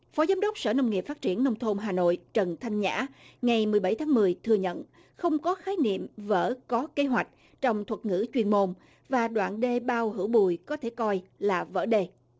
phó giám đốc sở nông nghiệp phát triển nông thôn hà nội trần thanh nhã ngày mười bảy tháng mười thừa nhận không có khái niệm vỡ có kế hoạch trong thuật ngữ chuyên môn và đoạn đê bao hữu bùi có thể coi là vỡ đê